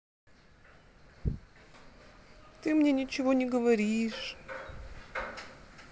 ты мне ничего не говоришь